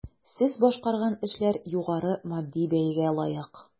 Сез башкарган эшләр югары матди бәягә лаек.